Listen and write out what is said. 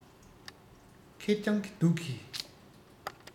ཁེར རྐྱང གི སྡུག གིས